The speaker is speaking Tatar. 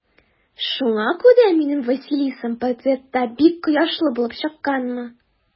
Шуңа күрә минем Василисам портретта бик кояшлы булып чыкканмы?